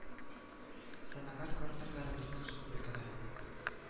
Сәнәгать кластерлары безнең республикада